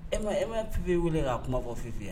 E e ma ppi wele k kaa kuma fɔ fipi ye